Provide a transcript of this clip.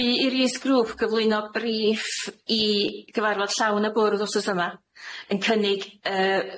Bu i'r is-grŵp gyflwyno briff i gyfarfod llawn y bwrdd wsos yma yn cynnig yy